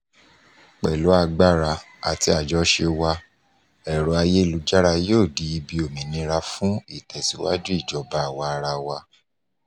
Pẹ̀lú agbára àti àjọṣe wa, ẹ̀rọ-ayélujára yóò di ibi òmìnira fún ìtẹ̀síwájú ìjọba àwa-arawa.